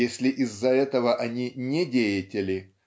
если из-за этого они недеятели